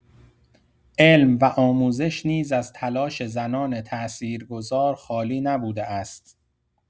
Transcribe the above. علم و آموزش نیز از تلاش زنان تاثیرگذار خالی نبوده است.